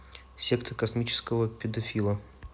секта космического педофила